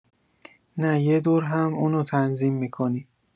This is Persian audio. نه یه دور هم اونو تنظیم می‌کنی